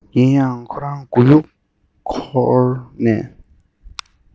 ཡིན ཀྱང ཁོ རང མགོ ཡུ འཁོར ནས